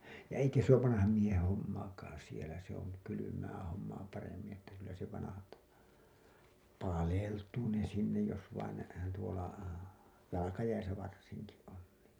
ja eikä se ole vanhan miehen hommaakaan siellä se on kylmää hommaa paremmin että kyllä se vanhalta paleltuu ne sinne jos vain ne tuolla jalkajäissä varsinkin on niin